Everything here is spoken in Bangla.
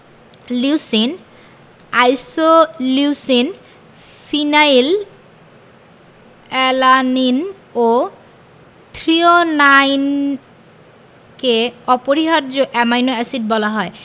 লিউসিন আইসোলিউসিন ফিনাইল অ্যালানিন ও থ্রিওনাইনকে অপরিহার্য অ্যামাইনো এসিড বলা হয়